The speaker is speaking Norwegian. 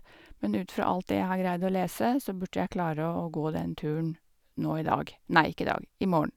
Men ut fra alt det jeg har greid å lese, så burde jeg klare å gå den turen nå i dag nei ikke i dag, imorgen.